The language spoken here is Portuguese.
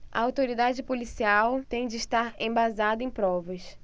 a autoridade policial tem de estar embasada em provas